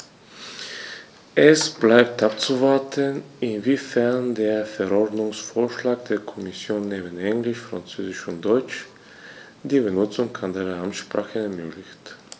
Es bleibt abzuwarten, inwiefern der Verordnungsvorschlag der Kommission neben Englisch, Französisch und Deutsch die Benutzung anderer Amtssprachen ermöglicht.